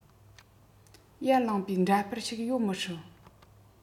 ཡར ལངས པའི འདྲ པར ཞིག ཡོད མི སྲིད